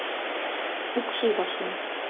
Укшый башлыйм.